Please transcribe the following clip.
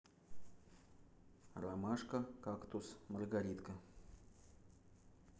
ромашка кактус маргаритка